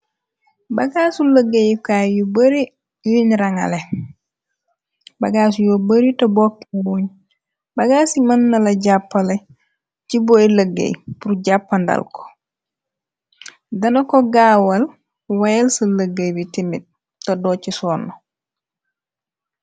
Bagaasu lëggéeyukaay yu bari nyuñ rangale, bagaas yu bari te bokkuuñ, bagaas yi mën na la jàppale ci booy lëggéey, pur jàppandal ko, dana ko gaawal wayel sa lëggéey bi timit, te doo ci sonno.